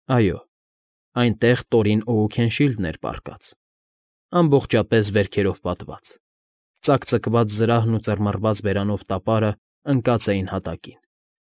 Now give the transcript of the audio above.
Այո, այնտեղ Տորին Օուքենշիլդն էր պառկած, ամբողջապես վերքերով պատված, ծակծկված զրահն ու ծռմռված բերանով տապարն ընկած էին հատակին։